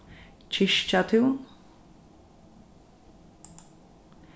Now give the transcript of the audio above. kirkjatún